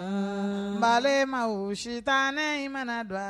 Bama sitan ne i mana don